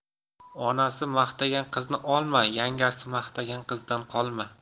onasi maqtagan qizni olma yangasi maqtagan qizdan qolma